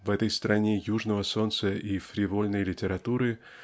в этой стране южного солнца и фривольной литературы